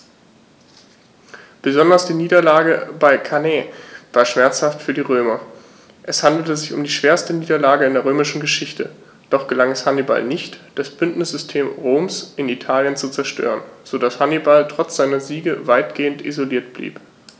Besonders die Niederlage bei Cannae war schmerzhaft für die Römer: Es handelte sich um die schwerste Niederlage in der römischen Geschichte, doch gelang es Hannibal nicht, das Bündnissystem Roms in Italien zu zerstören, sodass Hannibal trotz seiner Siege weitgehend isoliert blieb.